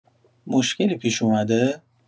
مشکلی پیش اومده؟